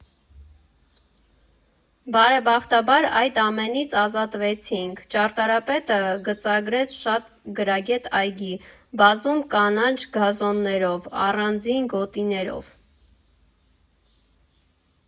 Բարեբախտաբար, այդ ամենից ազատվեցինք, ճարտարապետը գծագրեց շատ գրագետ այգի, բազում կանաչ գազոններով, առանձին գոտիներով։